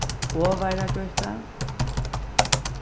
ovaragøta